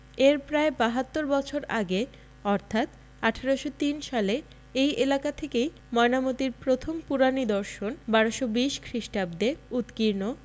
এর প্রায় ৭২ বছর আগে অর্থাৎ ১৮০৩ সালে এই এলাকা থেকেই ময়নামতীর প্রথম পুরানিদর্শন ১২২০ খ্রিস্টাব্দে উৎকীর্ণ